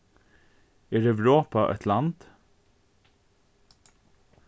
er europa eitt land